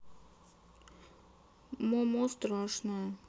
момо страшная